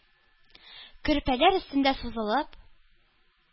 Көрпәләр өстендә сузылып,